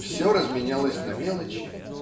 Все разменялось на мелочи